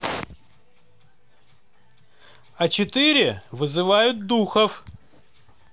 а четыре вызывают духов